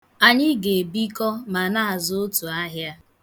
Anyị ga-ebikọ ma na azụ otù ahịa.